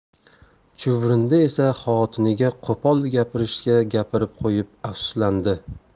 chuvrindi esa xotiniga qo'pol gapirishga gapirib qo'yib afsuslandi